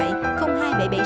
điện